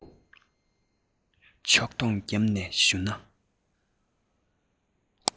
ཕྱོགས བསྡོམས བརྒྱབ ནས ཞུ ན